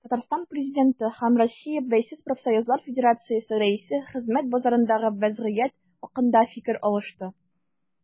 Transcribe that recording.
Татарстан Президенты һәм Россия Бәйсез профсоюзлар федерациясе рәисе хезмәт базарындагы вәзгыять хакында фикер алышты.